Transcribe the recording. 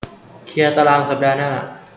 เคลียร์ตารางสัปดาห์หน้า